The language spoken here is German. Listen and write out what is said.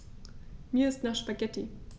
Mir ist nach Spaghetti.